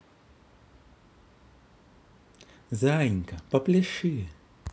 заинька попляши